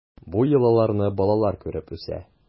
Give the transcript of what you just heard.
Бу йолаларны балалар күреп үсә.